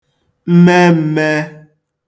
mmeem̄mēē